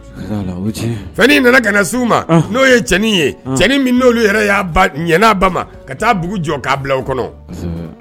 Nana mao ye cɛnin ye cɛn n'olu yɛrɛ ba ka taaugu jɔ k'a bila o kɔnɔ